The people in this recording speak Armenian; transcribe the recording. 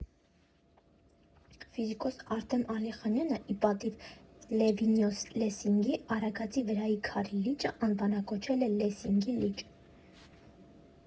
Ֆիզիկոս Արտեմ Ալիխանյանը ի պատիվ Լևինսոն֊Լեսինգի Արագածի վրայի Քարի լիճը անվանակոչել է Լեսինգի լիճ։